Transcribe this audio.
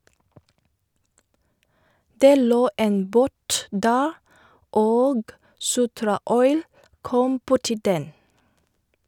- Det lå en båt der, og "Sotraoil" kom borti den.